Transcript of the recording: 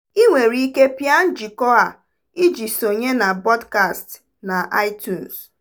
Ị nwere ike pịa njikọ a iji sonye na pọdkastị na iTunes.